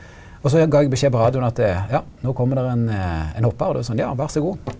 også gav eg beskjed på radioen at ja nå kjem der ein ein hoppar og då sa han ja ver så god.